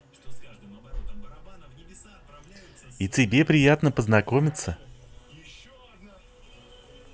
и тебе приятно познакомиться